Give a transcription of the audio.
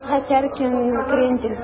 Хәтәр крендель